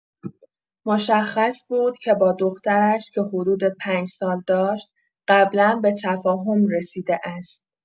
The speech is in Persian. مشخص بود که با دخترش که حدود پنج سال داشت، قبلا به تفاهم رسیده است.